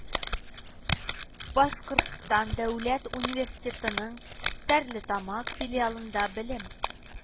Башкортстан дәүләт университетының Стәрлетамак филиалында белем